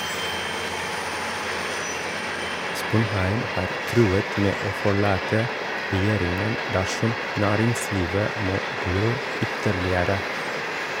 Sponheim har truet med å forlate Regjeringen dersom næringslivet må blø ytterligere.